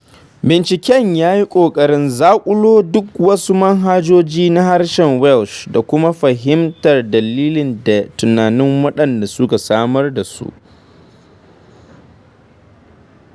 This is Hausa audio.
Binciken ya yi ƙoƙarin zaƙulo duk wasu manhajojin na harshen Welsh da kuma fahimtar dalili da tunanin waɗanda suka samar da su.